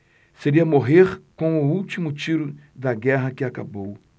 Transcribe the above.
seria morrer com o último tiro da guerra que acabou